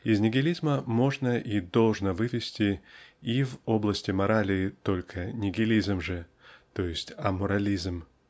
из нигилизма можно и должно вывести и в области морали только нигилизм же т. е. аморализм